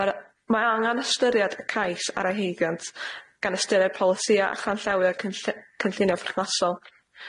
Ma' r- mae angan ystyriad y cais ar y heigiant gan ystyried polisïa' a chanllawiau cynll- cynllunio perthnasol.